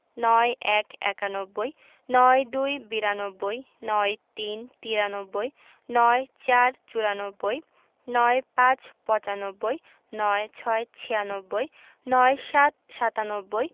৯১ - একানব্বই ৯২ - বিরানব্বই ৯৩ - তিরানব্বই ৯৪ – চুরানব্বই ৯৫ - পচানব্বই ৯৬ - ছিয়ানব্বই ৯৭ – সাতানব্বই